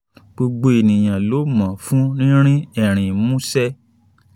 "Gbogbo èníyàn ló mọ́ fún rínrín ẹ̀rín múṣẹ́.